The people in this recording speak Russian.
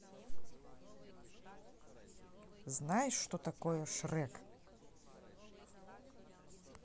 знаешь что такое шрек